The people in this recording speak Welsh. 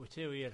Wyt ti wir?